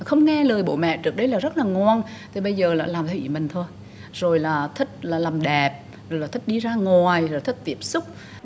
không nghe lời bố mẹ trước đây là rất là ngoan thì bây giờ lại làm theo ý mình thôi rồi là thích làm đẹp là thích đi ra ngoài rồi thích tiếp xúc